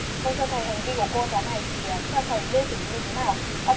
vâng theo thầy hành vi của cô giáo này thì theo thầy nên xử lý như thế nào